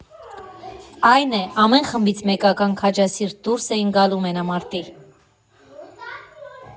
Այն է՝ ամեն խմբից մեկական քաջասիրտ դուրս էին գալու մենամարտի։